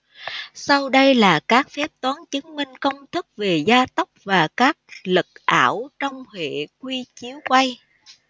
sau đây là các phép toán chứng minh các công thức về gia tốc và các lực ảo trong hệ quy chiếu quay